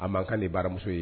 A man kan ni baramuso ye